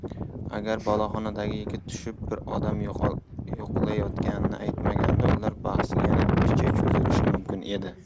agar boloxonadagi yigit tushib bir odam yo'qlayotganini aytmaganida ularning bahsi yana picha cho'zilishi mumkin edi